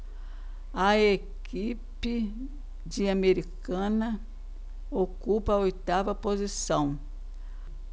a equipe de americana ocupa a oitava posição